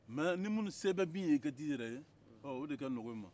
mɛ ni se bɛ minnu ye ka taa i yɛrɛ ye o de ka nɔgɔ i ma